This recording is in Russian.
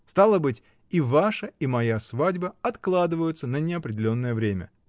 Стало быть, и ваша, и моя свадьба откладываются на неопределенное время.